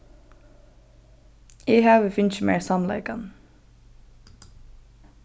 eg havi fingið mær samleikan